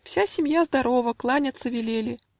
Вся семья Здорова; кланяться велели.